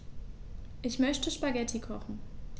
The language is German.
Ich möchte Spaghetti kochen.